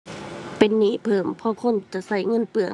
เป็นหนี้เพิ่ม เพราะคนจะใช้เงินเปลือง